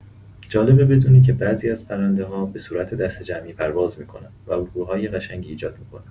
جالبه بدونی که بعضی از پرنده‌ها به صورت دسته‌جمعی پرواز می‌کنن و الگوهای قشنگی ایجاد می‌کنن.